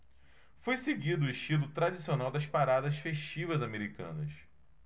foi seguido o estilo tradicional das paradas festivas americanas